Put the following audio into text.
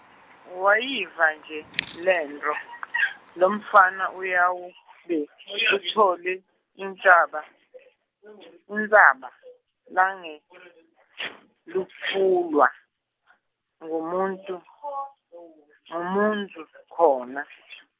Wayiva nje, lentfo , lomfana uyawube , utfole, intsaba, intsaba, langeyutfulwa, ngumuntfu, ngumuntfu, khona.